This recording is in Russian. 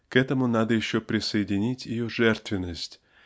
К этому надо еще присоединить ее жертвенность